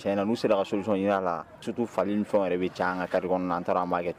tiɲɛ na n'u sera ka solution ɲini a la, surtout falen ni fɛn yɛrɛ bɛ caya an ka carré kɔnɔna na an ta dɔn an b'a kɛ